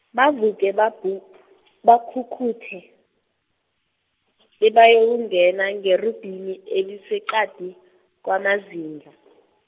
bavuke babhu- , bakhukhuthe , bebayokungena ngerubhini eliseqadi, kwamazindla .